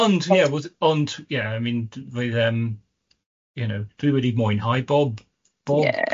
Ond ie was- ond ie I mean d- roedd e'n yym you know dwi wedi mwynhau bob bob... Ie.